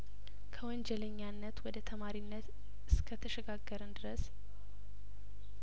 ከወንጀለኛነት ወደ ተማሪነት እስከተሸጋገርን ድረስ